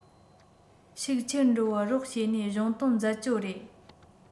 ཤུགས ཆེར འགྲོ བར རོགས བྱས ནས གཞུང དོན འཛད སྤྱོད རེད